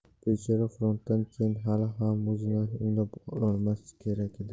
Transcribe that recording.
bechora frontdan keyin hali ham o'zini o'nglab ololmasa kerak derdi